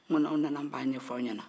n ko n'aw nana n b'a ɲɛf'aw ɲɛna